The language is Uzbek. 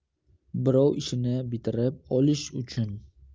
birov ishini bitirib olish uchun